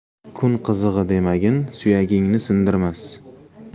kun qizig'i demagin suyagingni sindirmas